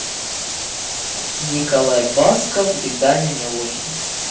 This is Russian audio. николай басков и даня милохин